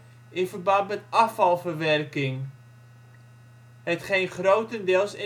afvalverwerking, hetgeen grotendeels